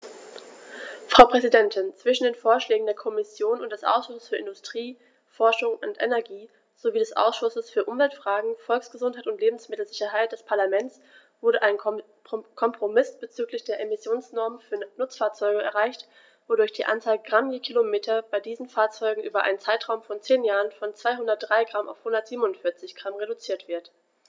Frau Präsidentin, zwischen den Vorschlägen der Kommission und des Ausschusses für Industrie, Forschung und Energie sowie des Ausschusses für Umweltfragen, Volksgesundheit und Lebensmittelsicherheit des Parlaments wurde ein Kompromiss bezüglich der Emissionsnormen für Nutzfahrzeuge erreicht, wodurch die Anzahl Gramm je Kilometer bei diesen Fahrzeugen über einen Zeitraum von zehn Jahren von 203 g auf 147 g reduziert wird.